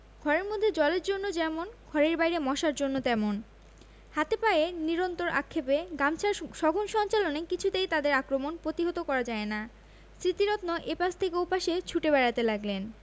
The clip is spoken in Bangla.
ঘরের মধ্যে জলের জন্য যেমন ঘরের বাইরে মশার জন্য তেমন হাত পায়ের নিরন্তর আক্ষেপে গামছার সঘন সঞ্চালনে কিছুতেই তাদের আক্রমণ প্রতিহত করা যায় না স্মৃতিরত্ন এ পাশ থেকে ও পাশে ছুটে বেড়াতে লাগলেন